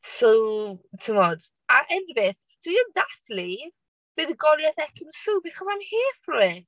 So, timod. A eniwe, dwi yn dathlu buddugoliaeth Ekin Su, because I'm here for it.